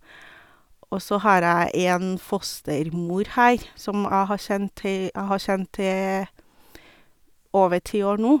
Og så har jeg en fostermor her, som jeg har kjent i jeg har kjent i over ti år nå.